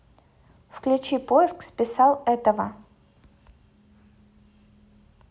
включи поиск списал этого